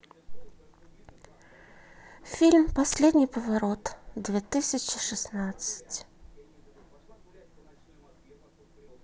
фильм последний поворот две тысячи шестнадцать